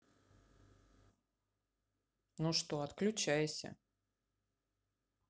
ну что отключайся